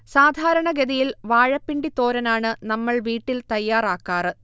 സാധാരണഗതിയിൽ വാഴപ്പിണ്ടി തോരനാണ് നമ്മൾ വീട്ടിൽ തയ്യാറാക്കാറ്